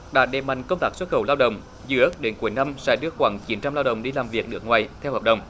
đã đẩy mạnh công tác xuất khẩu lao động dự ước đến cuối năm sẽ đưa khoảng chín trăm lao động đi làm việc ở nước ngoài theo hợp đồng